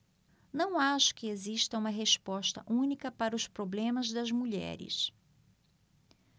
não acho que exista uma resposta única para os problemas das mulheres